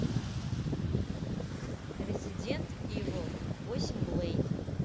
resident evil восемь блейд